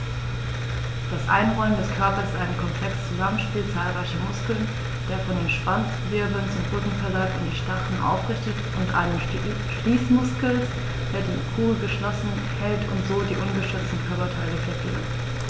Das Einrollen des Körpers ist ein komplexes Zusammenspiel zahlreicher Muskeln, der von den Schwanzwirbeln zum Rücken verläuft und die Stacheln aufrichtet, und eines Schließmuskels, der die Kugel geschlossen hält und so die ungeschützten Körperteile verbirgt.